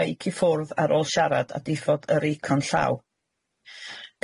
meic i ffwrdd ar ôl shiarad a diffod yr eicon llaw.